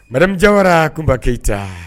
Mjayara kunba keyitayita